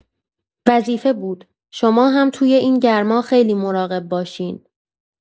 وظیفه بود، شما هم توی این گرما خیلی مراقب باشین.